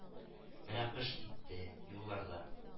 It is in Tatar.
Менә кыш итте, юлларда